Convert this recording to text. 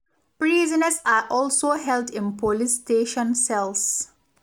Prisoners are also held in police station cells.